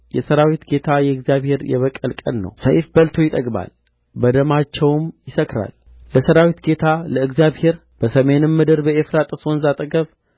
የሠራዊት ጌታ የእግዚአብሔር የበቀል ቀን ነው ሰይፍ በልቶ ይጠግባል በደማቸውም ይሰክራል ለሠራዊት ጌታ ለእግዚአብሔር በሰሜን ምድር በኤፍራጥስ ወንዝ አጠገብ